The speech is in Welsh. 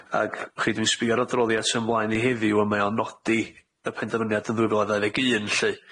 Ag w'ch chi dwi'n sbio ar yr adroddiad sy' o mlaen i heddiw a mae o'n nodi y penderfyniad yn ddwy fil a ddau ddeg un lly,